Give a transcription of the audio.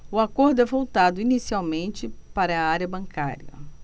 o acordo é voltado inicialmente para a área bancária